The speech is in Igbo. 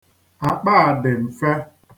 Akpa a dị m̀fe.